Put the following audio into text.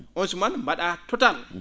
on suman mba?aa totale